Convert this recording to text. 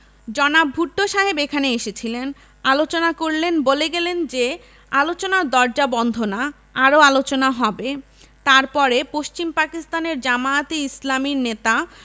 জনাব ভুট্টো সাহেব এখানে এসেছিলেন আলোচনা করলেন বলে গেলেন যে আলোচনার দরজা বন্ধ না আরও আলোচনা হবে তারপরে পশ্চিম পাকিস্তানের জামায়েত ইসলামীর নেতা